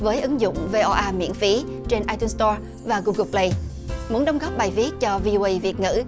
với ứng dụng về vê o a miễn phí trên ai tun sờ to và gu gồ phờ lây muốn đóng góp bài viết cho vi ô guây việt ngữ